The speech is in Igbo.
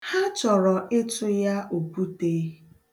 Ha chọrọ ịtụ ya okwute.